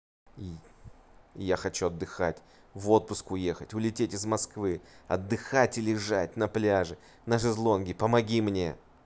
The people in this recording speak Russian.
я хочу отдыхать в отпуск уехать улететь из москвы отдыхать лежать на пляже на шезлонге помоги мне